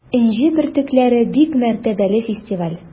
“энҗе бөртекләре” - бик мәртәбәле фестиваль.